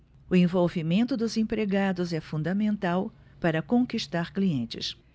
o envolvimento dos empregados é fundamental para conquistar clientes